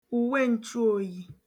ùwenchụoyi